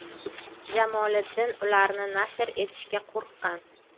jamoliddin ularni nashr etishga qo'rqqan